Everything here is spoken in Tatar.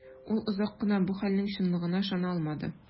Ул озак кына бу хәлнең чынлыгына ышана алмады.